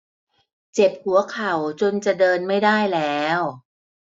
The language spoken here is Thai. เจ็บหัวเข่าจนจะเดินไม่ได้แล้ว